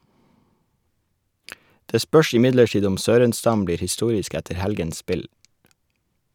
Det spørs imidlertid om Sörenstam blir historisk etter helgens spill.